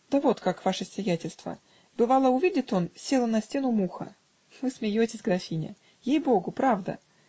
-- Да вот как, ваше сиятельство: бывало, увидит он, села на стену муха: вы смеетесь, графиня? Ей-богу, правда.